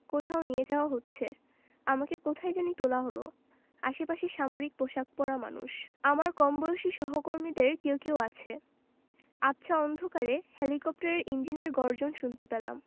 কোথাও নিয়ে যাওয়া হচ্ছে আমাকে কোথায় জানি তোলা হলো আশেপাশে সামরিক পোশাক পরা মানুষ আমার কমবয়সী সহকর্মীদের কেউ কেউ আছে আবছা অন্ধকারে হেলিকপ্টারের ইঞ্জিনের গর্জন শুনতে পেলাম